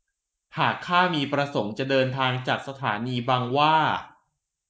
หากข้ามีประสงค์จะเดินทางจากสถานีบางหว้า